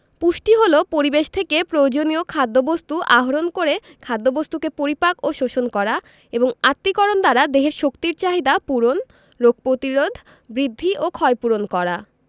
পুষ্টি হলো পরিবেশ থেকে প্রয়োজনীয় খাদ্যবস্তু আহরণ করে খাদ্যবস্তুকে পরিপাক ও শোষণ করা এবং আত্তীকরণ দ্বারা দেহের শক্তির চাহিদা পূরণ রোগ প্রতিরোধ বৃদ্ধি ও ক্ষয়পূরণ করা